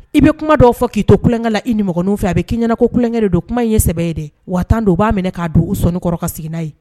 I bɛ kuma dɔw fɔ k'i to kulankɛ la i ni min fɛ a bɛ k'iɲɛna ko kukɛ don kuma in ɲɛ sɛ ye dɛ wa tan don b'a minɛ k'a don u sɔnkɔrɔ ka seginnana yen